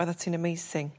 roddat ti'n amazing.